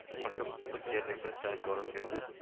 Качып-посып диярлек көн саен барып йөрде